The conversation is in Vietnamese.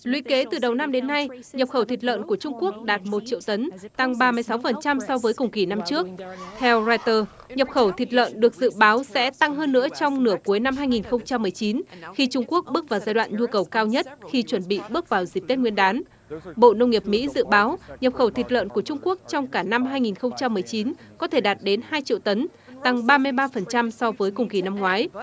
lũy kế từ đầu năm đến nay nhập khẩu thịt lợn của trung quốc đạt một triệu tấn tăng ba mươi sáu phần trăm so với cùng kỳ năm trước theo roai tơ nhập khẩu thịt lợn được dự báo sẽ tăng hơn nữa trong nửa cuối năm hai nghìn không trăm mười chín khi trung quốc bước vào giai đoạn nhu cầu cao nhất khi chuẩn bị bước vào dịp tết nguyên đán bộ nông nghiệp mỹ dự báo nhập khẩu thịt lợn của trung quốc trong cả năm hai nghìn không trăm mười chín có thể đạt đến hai triệu tấn tăng ba mươi ba phần trăm so với cùng kỳ năm ngoái